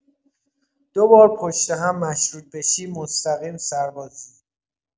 دوبار پشت هم مشروط بشی مستقیم سربازی